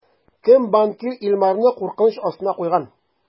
Кем банкир Илмарны куркыныч астына куйган?